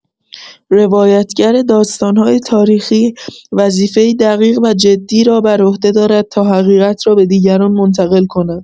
روایت‌گر داستان‌های تاریخی، وظیفه‌ای دقیق و جدی را بر عهده دارد تا حقیقت را به دیگران منتقل کند.